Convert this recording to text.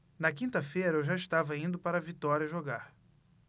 na quinta-feira eu já estava indo para vitória jogar